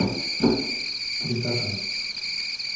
прикаком